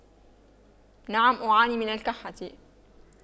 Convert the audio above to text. نعم أعاني من الكحة